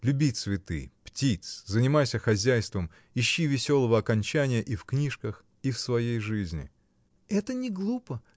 Люби цветы, птиц, занимайся хозяйством, ищи веселого окончания и в книжках, и в своей жизни. — Это не глупо.